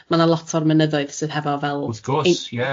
Ma' na lot o'r mynyddoedd sydd hefo fel... Wrth gwrs ie.